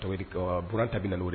Buran ta bɛ na o dɛ